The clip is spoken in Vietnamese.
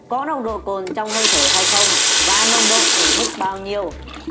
có nồng độ cồn trong hơi thở hay không và nồng độ ở mức bao nhiêu